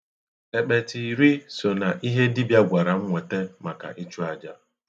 Ekpete iri so na ihe dibịa gwaram nwete maka ịchụ aja